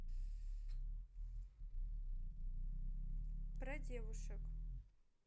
про девушек